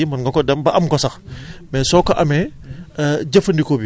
waa léegi jafewul a am xam nga tey jii mën nga ko dem ba am ko sax